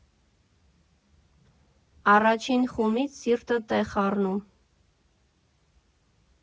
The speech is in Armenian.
Առաջին խումից սիրտդ է խառնում։